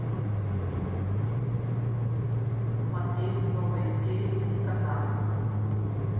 смотреть новые серии три кота